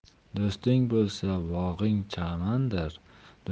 do'sting bo'lsa bog'ing chamandir